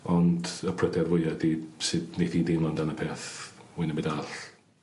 ond y pryder fwya 'di sud neith 'i deimlo amdan y peth mwy na'm byd arall.